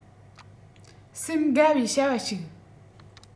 སེམས དགའ བའི བྱ བ ཞིག